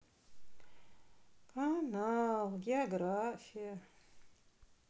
канал география